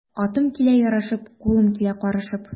Атым килә ярашып, кулым килә карышып.